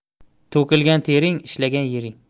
to'kilgan tering ishlagan yering